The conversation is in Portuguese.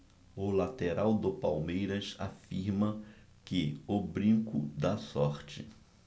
o lateral do palmeiras afirma que o brinco dá sorte